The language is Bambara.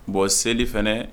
Bon seli fana